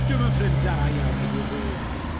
Dwi'm yn ffrind da iawn iddi rili.